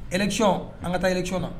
Ereconɔn an ka taa yɛlɛrecɔn na